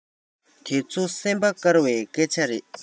དེ ཚོ སེམས པ དཀར བའི སྐད ཆ རེད